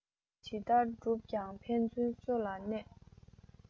ཇི ལྟར བསྒྲུབས ཀྱང ཕན ཚུན སོ ན གནས